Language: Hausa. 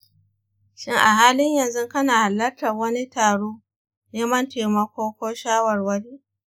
shin a halin yanzu kana halartar wani taron neman taimako ko shawarwari?